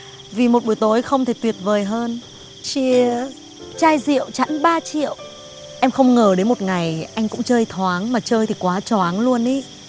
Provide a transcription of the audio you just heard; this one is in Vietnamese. vì một buổi tối không thể tuyệt vời hơn chia chai rượu chẵn ba triệu em không ngờ đến một ngày anh cũng chơi thoáng mà chơi thì quá choáng luôn ý